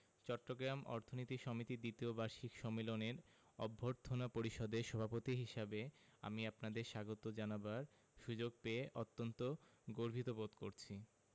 চট্টগ্রাম অর্থনীতি সমিতির দ্বিতীয় বার্ষিক সম্মেলনের অভ্যর্থনা পরিষদের সভাপতি হিসেবে আমি আপনাদের স্বাগত জানাবার সুযোগ পেয়ে অত্যন্ত গর্বিত বোধ করছি